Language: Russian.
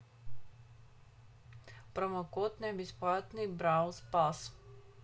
промокод на бесплатный brawl pass